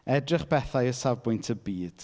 Edrych bethau o safbwynt y byd.